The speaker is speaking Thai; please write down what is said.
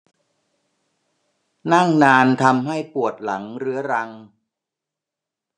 นั่งนานทำให้ปวดหลังเรื้อรัง